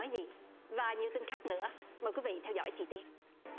nói gì và nhiều tin khác nữa mời quý vị theo dõi chi tiết